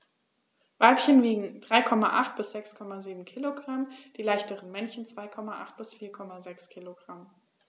Weibchen wiegen 3,8 bis 6,7 kg, die leichteren Männchen 2,8 bis 4,6 kg.